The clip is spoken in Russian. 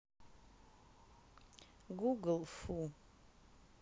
google фу